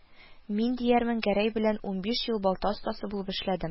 Мин, диярмен, Гәрәй белән унбиш ел балта остасы булып эшләдем